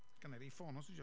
gynna i rif ffôn o os ti isio